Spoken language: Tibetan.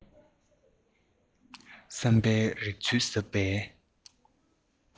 བསམ པའི རིག ཚུལ ཟབ པའི